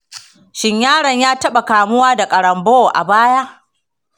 shin yaron ya taɓa kamuwa da ƙaronbo a baya?